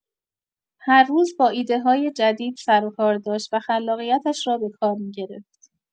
هر روز با ایده‌های جدید سروکار داشت و خلاقیتش را به کار می‌گرفت.